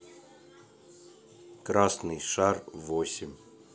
красный шар восемь